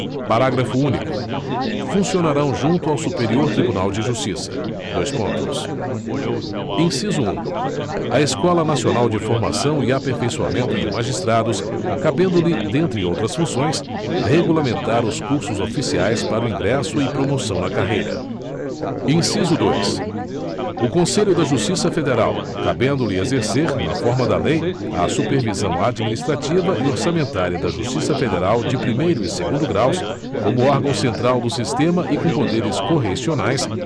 parágrafo único funcionarão junto ao superior tribunal de justiça dois pontos inciso um a escola nacional de formação e aperfeiçoamento de magistrados cabendo lhe dentre outras funções regulamentar os cursos oficiais para o ingresso e promoção na carreira inciso dois o conselho da justiça federal cabendo lhe exercer na forma da lei a supervisão administrativa e orçamentária da justiça federal de primeiro e segundo graus como órgão central do sistema e com poderes correicionais